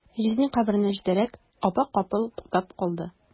Җизни каберенә җитәрәк, апа капыл туктап калды.